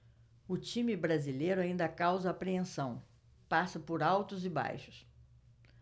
o time brasileiro ainda causa apreensão passa por altos e baixos